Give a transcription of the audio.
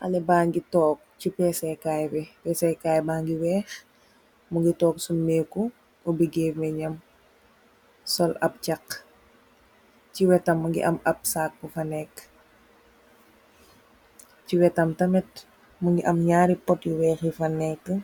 Haleh bange tok si beas se kai bi am aye bang yu weex mungi tok simeku ubbee gemenye nyam sul ap chakhuh si wetam mungi am ap sac bufa nekah si wetam tamit mungi am nyarri pot yufa nekuh